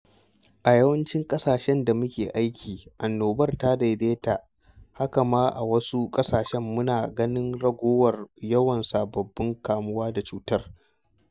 A yawancin ƙasashen da muke aiki, annobar ta daidaita, haka ma a wasu ƙasashen muna ganin raguwar yawan sabbin kamuwa da cutar.